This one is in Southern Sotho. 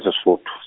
e Sesotho.